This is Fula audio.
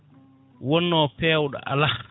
wonno peewɗo ala